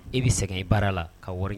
I bɛ segin i baara la ka wari kɛ